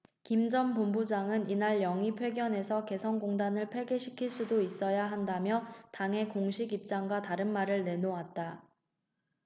김 전 본부장은 이날 영입 회견에서 개성공단을 폐쇄시킬 수도 있어야 한다며 당의 공식 입장과 다른 말을 내놓았다